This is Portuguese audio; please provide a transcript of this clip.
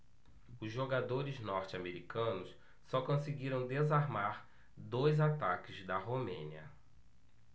os jogadores norte-americanos só conseguiram desarmar dois ataques da romênia